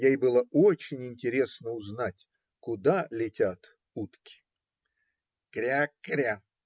ей было очень интересно узнать, куда летят утки. - Кря, кря!